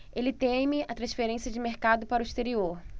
ele teme a transferência de mercado para o exterior